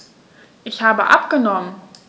Ich habe abgenommen.